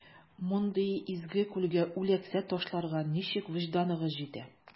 Мондый изге күлгә үләксә ташларга ничек вөҗданыгыз җитә?